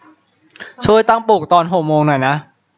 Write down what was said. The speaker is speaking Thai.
ช่วยตั้งปลุกตอนหกโมงหน่อยนะ